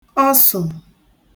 ọsụ̀